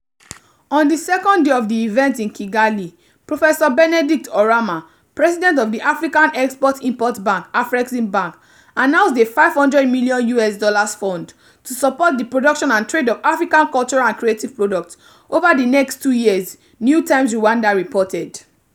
On the second day of the event in Kigali, professor Benedict Oramah, president of the African Export-Import Bank (Afreximbank) announced a $500 million USD fund "to support the production and trade of African cultural and creative products" over the next two years, New Times Rwanda reported.